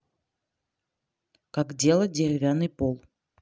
как делать деревянный пол